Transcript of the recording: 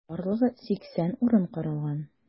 Барлыгы 80 урын каралган.